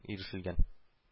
Ирешелгән